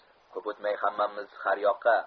ko'p o'tmay hammamiz har yoqqa